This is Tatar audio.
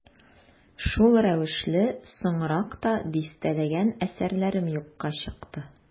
Шул рәвешле соңрак та дистәләгән әсәрләрем юкка чыкты.